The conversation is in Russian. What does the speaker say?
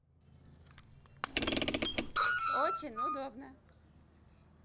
очень удобно